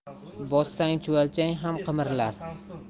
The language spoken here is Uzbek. bossang chuvalchang ham qimirlar